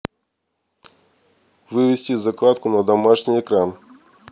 вывести закладку на домашний экран